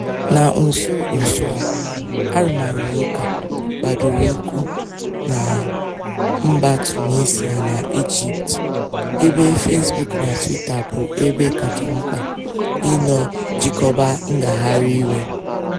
Na nso nso a, arụmarụụka gbadoro ụkwụ na mba Tunisia na Ijiptu, ebe Fesbuk na Tụwita bụ ebe kacha mkpa ịnọ chịkọba ngagharị iwe.